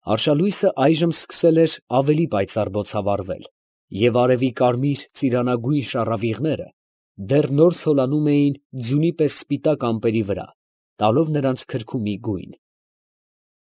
Արշալույսը այժմ սկսել էր ավելի պայծառ բոցավառվել և արևի կարմիր֊ծիրանագույն շառավիղները դեռ նոր ցոլանում էին ձյունի պես սպիտակ ամպերի վրա, տալով նրանց քրքումի գույն։